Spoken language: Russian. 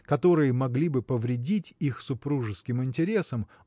которые могли бы повредить их супружеским интересам